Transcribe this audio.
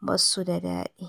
ba su da dadi.